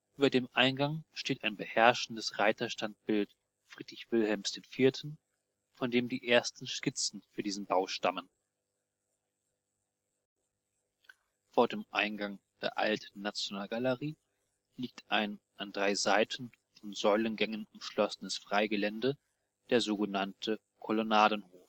Über dem Eingang steht ein beherrschendes Reiterstandbild Friedrich Wilhelms IV., von dem die ersten Skizzen für diesen Bau stammen. Vor dem Eingang der Alten Nationalgalerie liegt ein an drei Seiten von Säulengängen umschlossenes Freigelände, der sogenannte Kolonnadenhof